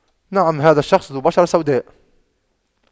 نعم هذا الشخص ذو بشرة سوداء